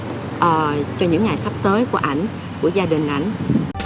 ờ cho những ngày sắp tới của ảnh của gia đình